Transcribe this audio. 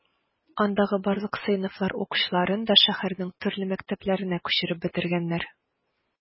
Андагы барлык сыйныфлар укучыларын да шәһәрнең төрле мәктәпләренә күчереп бетергәннәр.